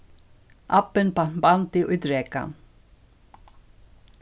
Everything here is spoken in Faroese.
abbin bant bandið í drekan